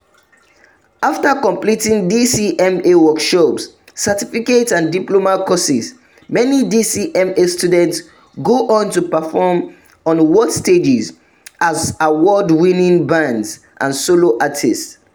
After completing DCMA workshops, certificate and diploma courses, many DCMA students go on to perform on world stages as award-winning bands and solo artists.